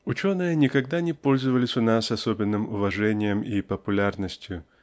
Ученые никогда не пользовались у нас особенным уважением и популярностью